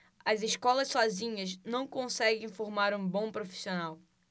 as escolas sozinhas não conseguem formar um bom profissional